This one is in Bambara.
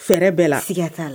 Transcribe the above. Fɛrɛ bɛɛ la siga t'a la